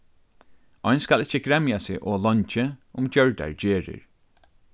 ein skal ikki gremja seg ov leingi um gjørdar gerðir